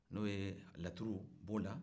n'o ye laturu b'o la